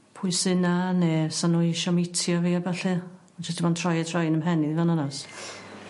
pwy sy 'na ne' sa n'w isio meetio fi a ballu ma' jys ti bo'n troi o troi yn 'ym mhen i fo' 'n onas.